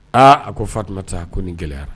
Aa a ko fatuma taa ko nin gɛlɛya